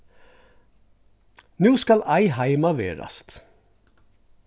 nú skal ei heima verast